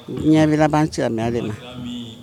Diɲɛ bɛ laban silamɛya de ma